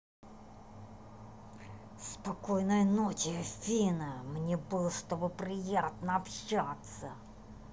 спокойной ночи афина мне было с тобой приятно общаться